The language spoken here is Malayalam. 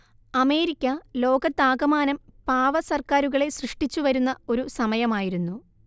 അമേരിക്ക ലോകത്താകമാനം പാവ സർക്കാരുകളെ സൃഷ്ടിച്ചു വരുന്ന ഒരു സമയമായിരുന്നു